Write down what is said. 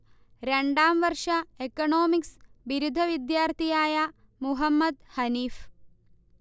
രണ്ടാംവർഷ economics ബിരുദ വിദ്യാർത്ഥിയായ മുഹമ്മദ്ഹനീഫ്